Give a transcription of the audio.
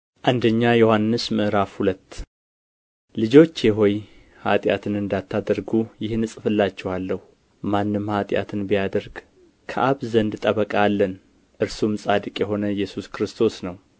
አንደኛ ዮሐንስ ምዕራፍ ሁለት ልጆቼ ሆይ ኃጢአትን እንዳታደርጉ ይህን እጽፍላችኋለሁ ማንም ኃጢአትን ቢያደርግ ከአብ ዘንድ ጠበቃ አለን እርሱም ጻድቅ የሆነ ኢየሱስ ክርስቶስ ነው